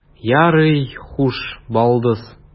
Ярый, хуш, балдыз.